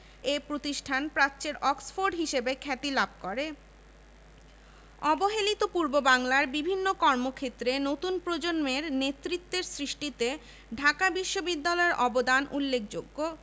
ঢাকা বিশ্ববিদ্যালয় বিগত নয় দশকে এর গৌরবময় ঐতিহ্যকে টিকিয়ে রেখেছে আজ যাঁরা দেশের শিক্ষা বিজ্ঞান